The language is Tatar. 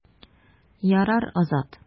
Ярар, Азат.